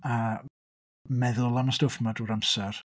A meddwl am y stwff yma drwy'r amser.